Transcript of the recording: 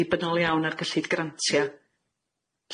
ddibynnol iawn ar gyllid grantia,